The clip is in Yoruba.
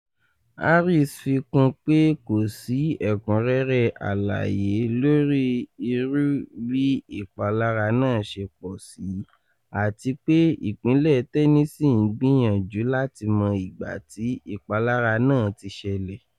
Harris fi kún pé kò sí ẹ̀kúnrẹ́rẹ àlàyé lórí irú/bí ìpalara náà ṣe pọ̀ sí” àtipé Ìpínlẹ̀ Tennessee ń gbìyànjú láti mọ ìgbàtí ìpalara náà ti ṣẹlẹ̀.